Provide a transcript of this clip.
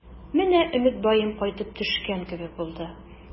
Менә Өметбаем кайтып төшкән кебек булды.